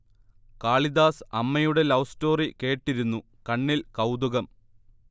കാളിദാസ് അമ്മയുടെ love story കേട്ടിരുന്നു കണ്ണിൽ കൗതുകം